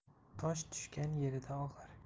tosh tushgan yerida og'ir